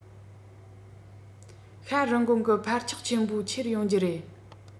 ཤ རིན གོང གྱི འཕར ཆག ཆེན པོ ཁྱེར ཡོང རྒྱུ རེད